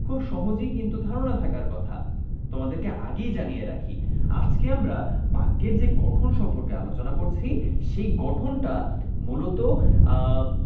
খুব সহজেই কিন্তু ধারণা থাকার কথা তোমাদেরকে আগেই জানিয়ে রাখি আজকে আমরা বাক্যে যে গঠন সম্পর্কে আলোচনা করছি সেই গঠন টা মূলত